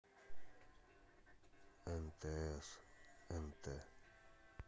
нтс нт